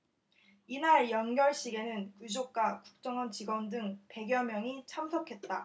이날 영결식에는 유족과 국정원 직원 등 백 여 명이 참석했다